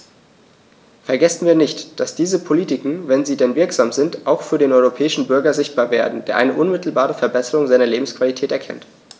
Vergessen wir nicht, dass diese Politiken, wenn sie denn wirksam sind, auch für den europäischen Bürger sichtbar werden, der eine unmittelbare Verbesserung seiner Lebensqualität erkennt!